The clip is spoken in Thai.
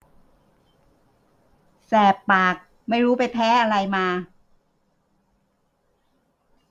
แสบปากไม่รู้ไปแพ้อะไรมา